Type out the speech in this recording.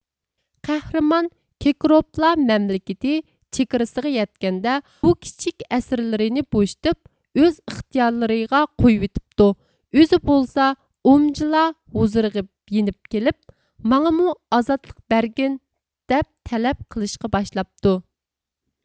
قەھرىمان كېكروپلار مەملىكىتى چېگرىسىغا يەتكەندە بۇ كىچىك ئەسىرلىرىنى بوشىتىپ ئۆز ئىختىيارلىرىغا قويۇۋېتىپتۇ ئۆزى بولسا ئومجلا ھۇزۇرىغا يېنىپ كېلىپ ماڭىمۇ ئازادلىق بەرگىن دەپ تەلەپ قىلىشقا باشلاپتۇ